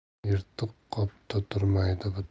yirtiq qopda turmaydi